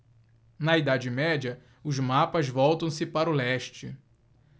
na idade média os mapas voltam-se para o leste